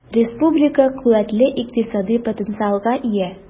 Республика куәтле икътисади потенциалга ия.